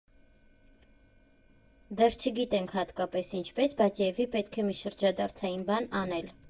Դեռ չգիտենք՝ հատկապես ինչպես, բայց երևի պետք է մի շրջադարձային բան անել։